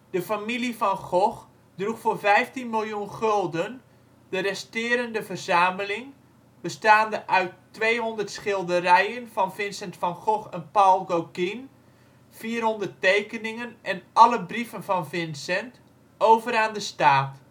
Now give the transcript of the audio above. De familie Van Gogh droeg voor 15 miljoen gulden de resterende verzameling, bestaande uit 200 schilderijen van Vincent van Gogh en Paul Gauguin, 400 tekeningen, en alle brieven van Vincent, over aan de staat